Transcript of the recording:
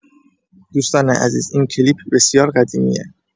دوستان عزیز این کلیپ بسیار قدیمیه